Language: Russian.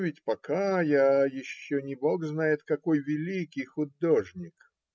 ведь пока я - еще не бог знает какой великий художник.